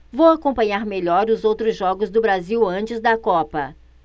vou acompanhar melhor os outros jogos do brasil antes da copa